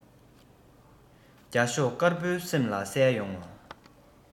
རྒྱ ཤོག དཀར པོའི སེམས ལ གསལ ཡོང ངོ